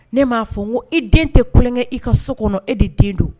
Ne m'a fɔ n ko i den tɛ kolonkɛ i ka so kɔnɔ e de den don